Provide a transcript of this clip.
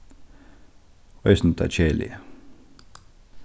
eisini tað keðiliga